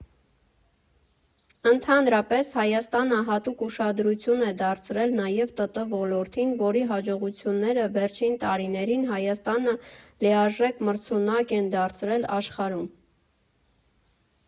Ընդհանրապես, Հայաստանը հատուկ ուշադրություն է դարձրել նաև ՏՏ ոլորտին, որի հաջողությունները վերջին տարիներին Հայաստանը լիարժեք մրցունակ են դարձրել աշխարհում։